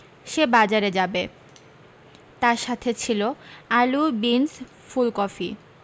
সে বাজারে জাবে তার সাথে ছিলো আলু বিন্স ফুলকফি